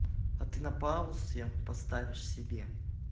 а ты на паузе поставишь себе